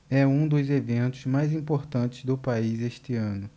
é um dos eventos mais importantes do país este ano